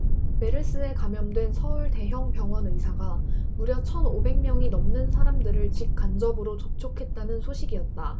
메르스에 감염된 서울 대형 병원 의사가 무려 천 오백 명이 넘는 사람들을 직 간접으로 접촉했다는 소식이었다